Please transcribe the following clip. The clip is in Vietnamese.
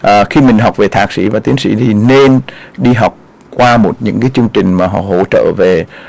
à khi mình học vị thạc sĩ và tiến sĩ thì nên đi học qua một những cái chương trình mà họ hỗ trợ về